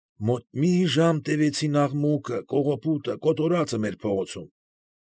Մոտ մի ժամ տևեցին աղմուկը, կողոպուտը, կոտորածը մեր փողոցում։